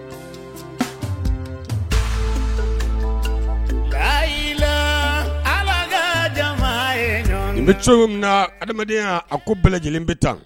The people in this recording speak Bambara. La illaha illa Allah ka Nin bi cogo Minna, hadamadenya a ko bɛɛlalajɛle. bɛ de bɛ tan